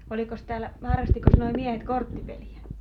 olikos täällä harrastikos nuo miehet korttipeliä